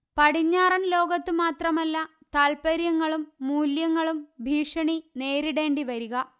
പടിഞ്ഞാറൻലോകത്തു മാത്രമല്ല താല്പര്യങ്ങളും മൂല്യങ്ങളും ഭീഷണി നേരിടേണ്ടിവരിക